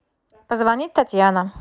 позвонить татьяна